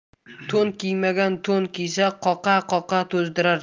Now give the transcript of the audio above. to'n kiymagan to'n kiysa qoqa qoqa to'zdirar